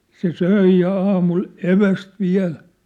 se söi ja aamulla evästä vielä